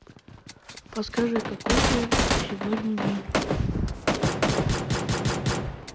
подскажи какой сегодня день